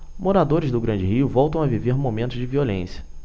moradores do grande rio voltam a viver momentos de violência